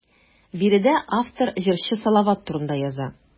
Биредә автор җырчы Салават турында яза.